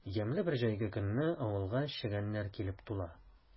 Ямьле бер җәйге көнне авылга чегәннәр килеп тула.